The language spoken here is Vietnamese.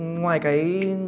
ngoài cái